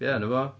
Ia, 'na fo.